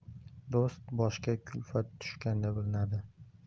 do'st boshga kulfat tushganda bilinadi